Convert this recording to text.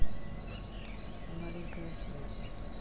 маленькая смерть